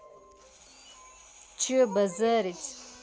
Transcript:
че базарить